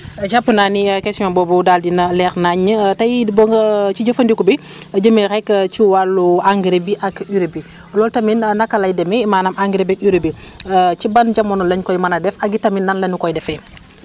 jàpp naa ni question boobu daal di na leer naññ tey ba nga ci jafandiku bi jëmee rek ci wàllu engrais bi ak urée bi loolu tamit naka lay demee maanaam engrais beeg urée bi ci ban jamono lañ koy mën a def ak it tamit nan la ñu koy defee